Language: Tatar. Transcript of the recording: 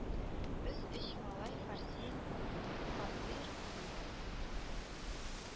Без, өч малай Фарсил, Басыйр, мин